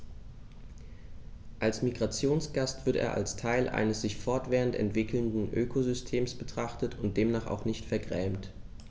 Als Migrationsgast wird er als Teil eines sich fortwährend entwickelnden Ökosystems betrachtet und demnach auch nicht vergrämt.